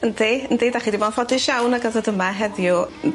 Yndi yndi 'dach chi 'di bo' yn ffodus iawn a ga'l ddod yma heddiw.